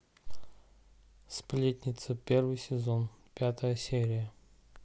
сплетница первый сезон пятая серия